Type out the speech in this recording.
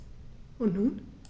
Und nun?